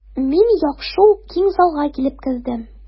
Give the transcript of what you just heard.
Мин яхшы ук киң залга килеп кердем.